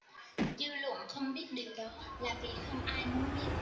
dư luận không biết điều đó là vì không ai muốn biết